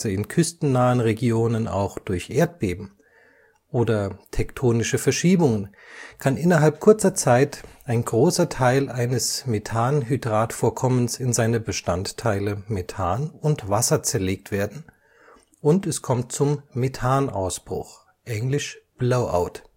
in küstennahen Regionen auch Erdbeben) oder tektonische Verschiebungen, kann innerhalb kurzer Zeit ein großer Teil eines Methanhydratvorkommens in seine Bestandteile (Methan und Wasser) zerlegt werden und es kommt zum Methanausbruch (engl. blowout